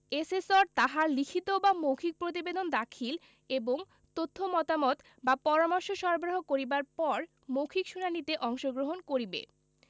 assessor তাহার লিখিত বা মৌখিক প্রতিবেদন দাখিল এবং তথ্য মতামত বা পরামর্শ সরবরাহ করিবার পর মৌখিক শুনানীতে অংশগ্রহণ করিবে